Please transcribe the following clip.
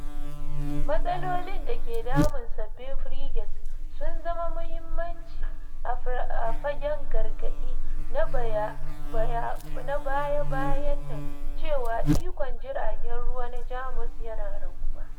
Matsalolin da ke damun sabbin frigates sun zama mahimmanci a fagen gargadi na baya-bayan nan cewa ikon jiragen ruwa na Jamus yana raguwa.